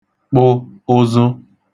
kpụ ụzụ